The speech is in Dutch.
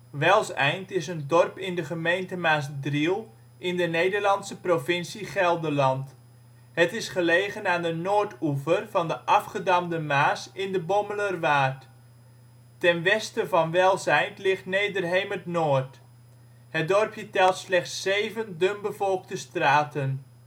Wellseind is een dorp in de gemeente Maasdriel, in de Nederlandse provincie Gelderland. Het is gelegen aan de noordoever van de Afgedamde Maas in de Bommelerwaard. Ten westen van Wellseind ligt Nederhemert-Noord. Het dorpje telt slechts zeven dunbevolkte straten